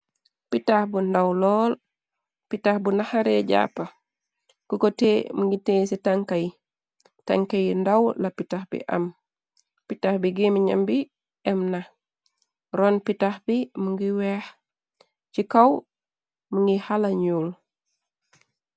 Pitax bu ndaw lool pitax bu naxaree jàppa ku ko te mngi tée ci tankay tanka yi ndaw la pitax bi am pitax bi géemi ñam bi em na ron pitax bi mu ngi weex ci kaw mu ngi xala ñuul.